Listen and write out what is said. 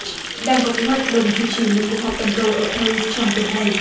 đang có kế hoạch đồng chủ trì một cuộc họp toàn cầu ở paris trong tuần này